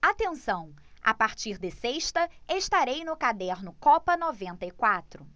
atenção a partir de sexta estarei no caderno copa noventa e quatro